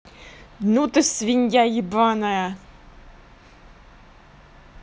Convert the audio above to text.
ну ты свинья ебаная